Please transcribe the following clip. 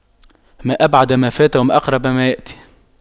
ما أبعد ما فات وما أقرب ما يأتي